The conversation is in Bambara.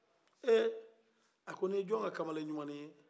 ee a ko ni jɔn ka kamaleni ɲuman ye